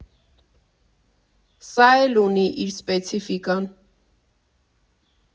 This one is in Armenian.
Սա էլ ունի իր սպեցիֆիկան։